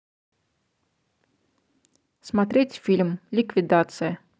смотреть фильм ликвидация